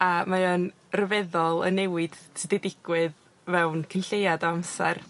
a mae o'n ryfeddol y newid sy 'di digwydd fewn cyn lleiad o amser.